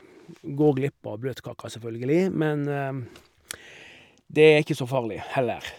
Går glipp av bløtkaka, selvfølgelig, men det er ikke så farlig heller.